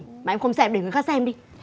mà em không xem để người khác xem đi